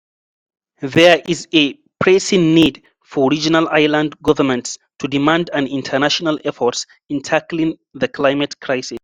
There is a pressing need for regional island governments to demand an international effort in tackling the climate crisis.